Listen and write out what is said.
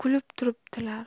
kulib turibdilar